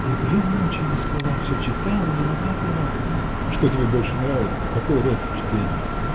Я две ночи не спала: всё читала, не могла оторваться. — Что тебе больше нравится? Какой род чтения?